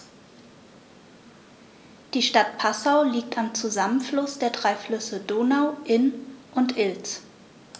Die Stadt Passau liegt am Zusammenfluss der drei Flüsse Donau, Inn und Ilz.